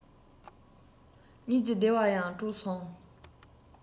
གཉིད ཀྱི བདེ བ ཡང དཀྲོགས སོང